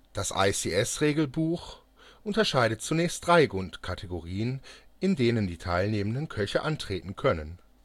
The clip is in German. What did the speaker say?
Das ICS-Regelbuch (englisch) unterscheidet zunächst drei Grundkategorien, in denen die teilnehmenden Köche antreten können